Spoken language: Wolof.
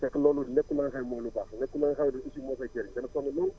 fekk loolu nekkul la nga xam ne mooy lu baax nekkul la nga xam ne aussi moo koy jëriñ dana sonn ñëw